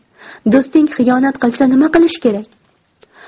do'sting xiyonat qilsa nima qilish kerak